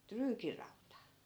tryykirauta